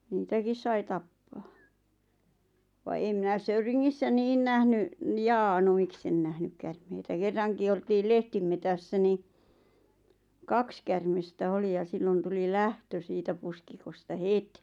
niitäkin sai tappaa vaan en minä Söyringissä niin nähnyt jaa no miksi en nähnyt käärmeitä kerrankin oltiin lehtimetsässä niin kaksi käärmettä oli ja silloin tuli lähtö siitä pusikosta heti